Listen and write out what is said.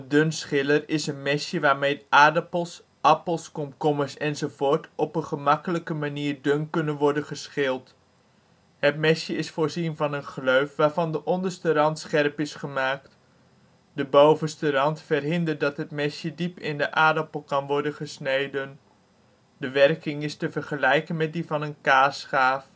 dunschiller is een mesje waarmee aardappels, appels, komkommers enz. op een gemakkelijke manier dun kunnen worden geschild. Het mesje is voorzien van een gleuf, waarvan de onderste rand scherp is gemaakt. De bovenste rand verhindert dat het mesje diep in de aardappel kan worden gesneden. De werking is te vergelijken met die van een kaasschaaf